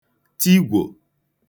tigwò